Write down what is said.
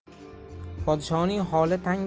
podshoning holi tang